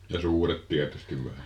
ja suuret tietysti vai